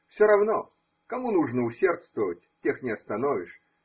Все равно, кому нужно усердствовать, тех не остановишь.